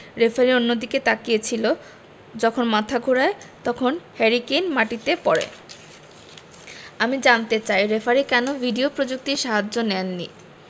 referee অন্যদিকে তাকিয়ে ছিল যখন মাথা ঘোরায় তখন হ্যারি কেইন মাটিতে পড়ে আমি জানতে চাই রেফারি কেন ভিডিও প্রযুক্তির সাহায্য নেয়নি